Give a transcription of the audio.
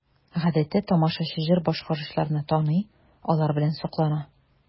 Гадәттә тамашачы җыр башкаручыларны таный, алар белән соклана.